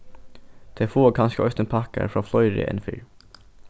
tey fáa kanska eisini pakkar frá fleiri enn fyrr